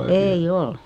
ei ole